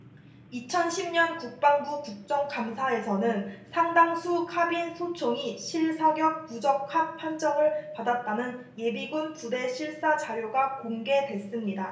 이천 십 년 국방부 국정감사에서는 상당수 카빈 소총이 실사격 부적합 판정을 받았다는 예비군 부대 실사 자료가 공개됐습니다